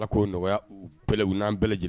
Ala ko nɔgɔya n'an bɛɛ lajɛlen